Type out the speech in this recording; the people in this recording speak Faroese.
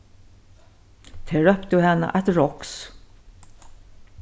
tey róptu hana eitt roks